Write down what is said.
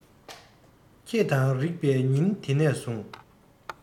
ཁྱེད དང རེག པའི ཉིན དེ ནས བཟུང